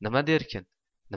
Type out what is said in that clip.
nima derkin